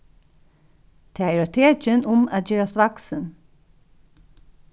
tað er eitt tekin um at gerast vaksin